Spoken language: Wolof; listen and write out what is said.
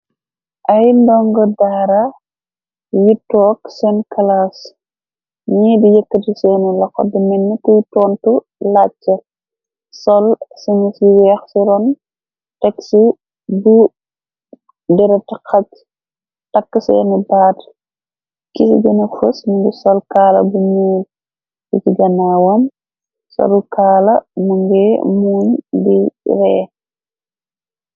Ay ndongo daara witook san kalas, nii di yekktu seeni la xod minntuy tontu laajca , sol sinis yi weex ciroon texi bu derat xaj, takk seenu bat ki ci gëna fës ningu , sol kaala bu nuul bi ci ganawam , solu kaala mëngee muuñ di ree.